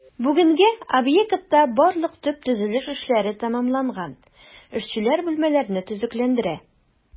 Бүгенгә объектта барлык төп төзелеш эшләре тәмамланган, эшчеләр бүлмәләрне төзекләндерә.